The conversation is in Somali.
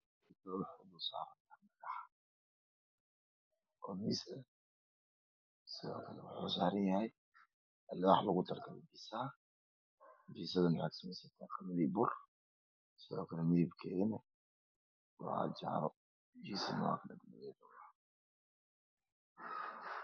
Dhagax saaran alwaax pizza midabkiisa yahay jaale